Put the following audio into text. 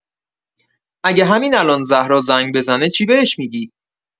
اگه همین الان زهرا زنگ بزنه چی بهش می‌گی؟